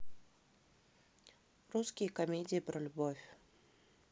русские комедии про любовь